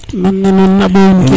nanena na ɓuuɓ